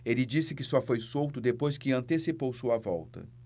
ele disse que só foi solto depois que antecipou sua volta